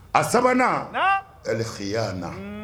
A sabanan naamun aliseya na un